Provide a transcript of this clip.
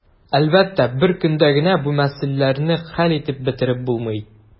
Әлбәттә, бер көндә генә бу мәсьәләләрне хәл итеп бетереп булмый.